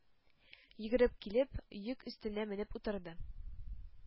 Йөгереп килеп, йөк өстенә менеп утырды.